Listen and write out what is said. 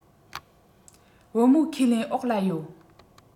བུ མོ ཁས ལེན འོག ལ ཡོད